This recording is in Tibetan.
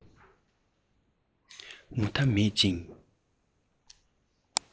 མུ མཐའ མེད ཅིང